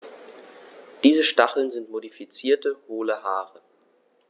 Diese Stacheln sind modifizierte, hohle Haare.